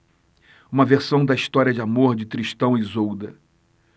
uma versão da história de amor de tristão e isolda